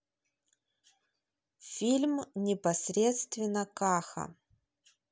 фильм непосредственно каха